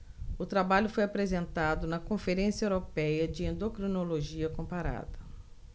o trabalho foi apresentado na conferência européia de endocrinologia comparada